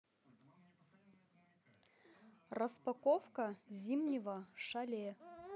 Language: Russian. распаковка зимнего шале